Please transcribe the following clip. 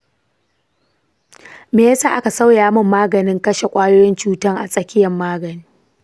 me yasa aka sauya min maganin kashe ƙwayoyin cutan a tsakiyar magani?